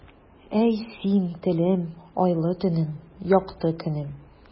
Әй, син, телем, айлы төнем, якты көнем.